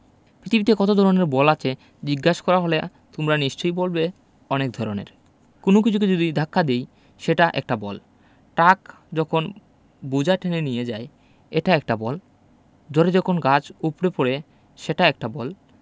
পিতিবীতে কত ধরনের বল আছে জিজ্ঞেস করা হলে তোমরা নিশ্চয়ই বলবে অনেক ধরনের কোনো কিছুকে যদি ধাক্কা দিই সেটা একটা বল টাক যখন বুঝা টেনে নিয়ে যায় এটা একটা বল ঝড়ে যখন গাছ উপড়ে পড়ে সেটা একটা বল